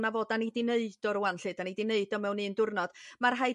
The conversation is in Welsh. nafo 'da ni 'di neud o rŵan 'llu da' ni 'di 'neud o mewn un diwrnod mae rhaid